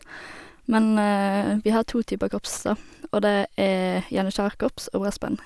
Men vi har to typer korps, da, og det er janitsjarkorps og brassband.